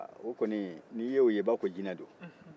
aa o kɔni n'i ye o ye e ba fɔ ko jinɛ don